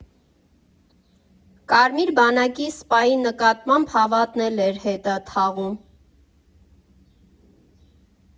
Կարմիր բանակի սպայի նկատմամբ հավատն էլ էր հետը թաղում։